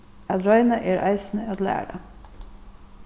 at royna er eisini at læra